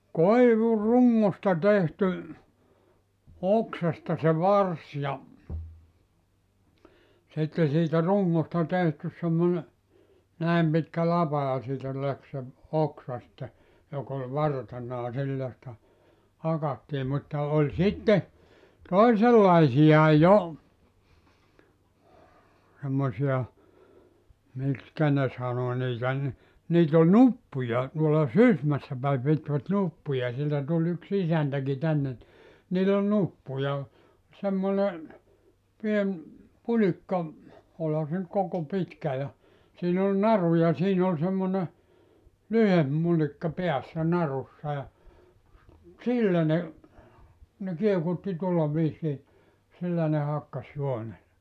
koivurungosta tehty oksasta se varsi ja sitten siitä rungosta tehty semmoinen näin pitkä lapa ja siitä lähti se oksa sitten joka oli vartena ja sillä sitä hakattiin mutta oli sitten toisenlaisia jo semmoisia miksi ne sanoi niitä niin niitä oli nuppuja tuolla Sysmässä päin pitivät nuppuja sieltä tuli yksi isäntäkin tänne niin niillä oli nuppuja semmoinen pieni pulikka olihan se nyt koko pitkä ja siinä oli naru ja siinä oli semmoinen lyhempi mulikka päässä narussa ja sillä ne ne kiekutti tuolla viisiin sillä ne hakkasi juonen